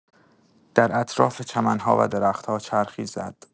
در اطراف چمن‌ها و درخت‌ها چرخی زد.